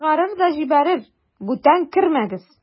Чыгарыр да җибәрер: "Бүтән кермәгез!"